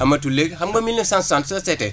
amatul léegi xam nga mille neuf cent soixante soo seetee